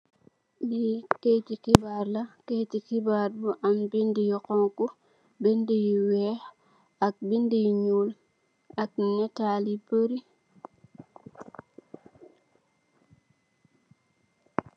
Li keyetti xibaar la. Keyetti xibaar bu am binduh yu xonxo, binduh yu weex ak binduh yu ñuul. Ak natal yu barri.